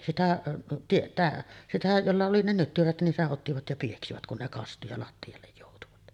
sitä tietäjää sitä jolla oli ne nyttyrät niin sen ottivat ja pieksivät kun ne kastui ja lattialle joutuvat